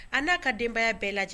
A n'a ka denbaya bɛɛ lajɛ